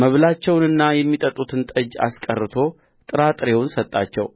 መብላቸውንና የሚጠጡትን ጠጅ አስቀርቶ ጥራጥሬውን ሰጣቸው